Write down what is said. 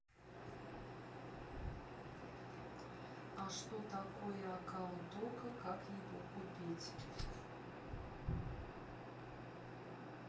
а что такое аккаунт okko как его купить